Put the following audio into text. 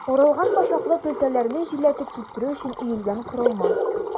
Урылган башаклы көлтәләрне җилләтеп киптерү өчен өелгән корылма.